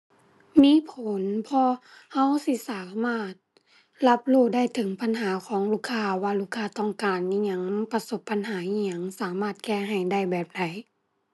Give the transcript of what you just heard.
มีผล เพราะเราสิสามารถรับรู้ได้ถึงปัญหาของลูกค้าว่าลูกค้าต้องการอิหยัง ประสบปัญหาอิหยัง สามารถแก้ให้ได้แบบใด